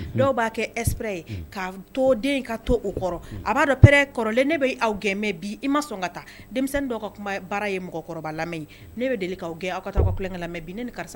Dɔw'a kɛp ye k' to den ka to o kɔrɔ a b'a dɔnɛ kɔrɔlen ne' aw gɛnmɛ bi i ma sɔn ka taa denmisɛnnin dɔw ka kuma baara ye mɔgɔkɔrɔba ne bɛ deli k' gɛn aw ka taa ka ka lamɛn ni karisa